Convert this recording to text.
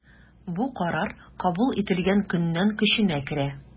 Бу карар кабул ителгән көннән көченә керә.